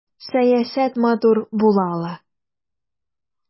Сәясәт матур була ала!